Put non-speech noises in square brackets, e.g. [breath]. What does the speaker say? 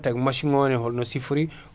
tawi massiŋ o ne holno sifori [breath]